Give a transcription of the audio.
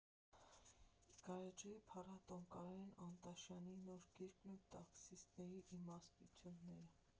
Գարեջրի փառատոն, Կարեն Անտաշյանի նոր գիրքն ու տաքսիստների իմաստնությունները։